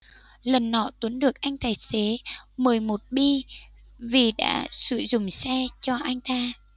lần nọ tuấn được anh tài xế mời một bi vì đã sửa giùm xe cho anh ta